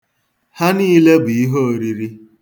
Ha niile bụ ihe oriri